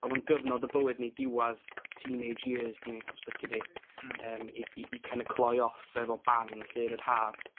O'dd o'n gyfnod y bywyd ni. Diwadd teenage years ni, os licie di... Hmm. ...yym i i i kin' o' cloi off efo bang 'lly yn yr Ha.